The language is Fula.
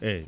eeyi